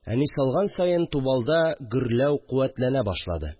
Әни салган саен, тубалда гөрләү куәтләнә башлады